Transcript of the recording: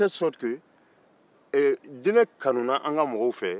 diinɛ kanuna an ka mɔgɔw fɛ